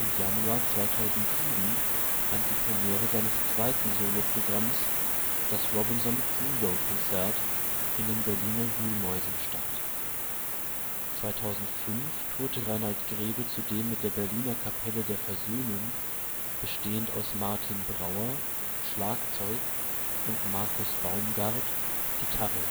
Januar 2007 fand die Premiere seines zweiten Solo-Programms „ Das Robinson-Crusoe-Konzert “in den Berliner Wühlmäusen statt. 2005 tourte Rainald Grebe zudem mit der Berliner Kapelle der Versöhnung, bestehend aus Martin Brauer (Schlagzeug) und Marcus Baumgart (Gitarre